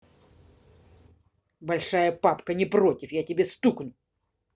большая папка не против я тебе стукну